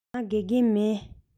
ང དགེ རྒན མིན